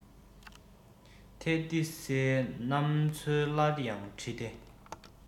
ཐེ རྡི སིའི གནའ མཚོ སླར ཡང བྲི སྟེ